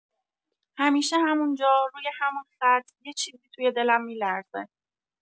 همیشه همون‌جا، روی همون خط، یه چیزی توی دلم می‌لرزه.